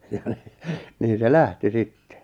ja niin niin se lähti sitten